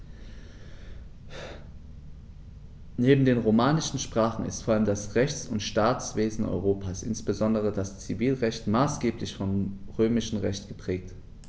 Neben den romanischen Sprachen ist vor allem das Rechts- und Staatswesen Europas, insbesondere das Zivilrecht, maßgeblich vom Römischen Recht geprägt.